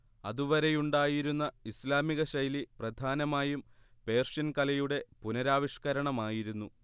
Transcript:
അതുവരെയുണ്ടായിരുന്ന ഇസ്ലാമികശൈലി പ്രധാനമായും പേർഷ്യൻ കലയുടെ പുനരാവിഷ്കരണമായിരുന്നു